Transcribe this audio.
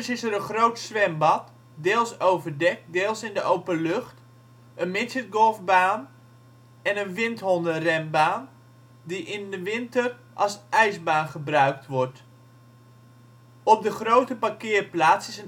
is er een groot zwembad (deels overdekt, deels in de openlucht), een midgetgolfbaan en een windhondenrenbaan die in winter als ijsbaan gebruikt wordt. Op de grote parkeerplaats